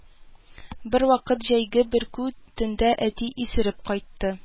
Бервакыт җәйге бөркү төндә әти исереп кайтты